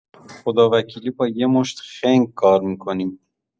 خداوکیلی با یه مشت خنگ کار می‌کنم.